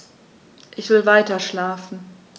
Ich will weiterschlafen.